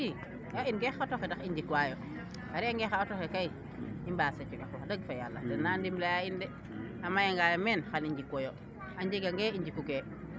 i in kay xa auto xe tax i njik wayo a rend ange xa auto xe kay i mbaas acikax awx deg fa yala den na ndimel a in de a maya ngaayo meen i njik woyo a njega nge i njiku ke